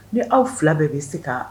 Ni aw fila bɛɛ bɛ se ka